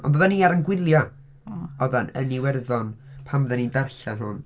Ond oeddan ni ar ein gwyliau... O'n. ...Oeddan, yn Iwerddon pan oeddan ni'n darllen hwn.